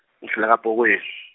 ngihlala kaBokwen-.